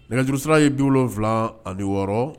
Nɛgɛjuru sira ye bi wolonwula ani wɔɔrɔ